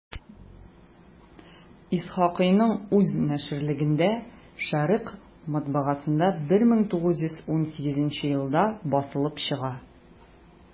Исхакыйның үз наширлегендә «Шәрекъ» матбагасында 1918 елда басылып чыга.